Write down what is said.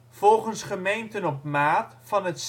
Volgens Gemeenten op Maat, van het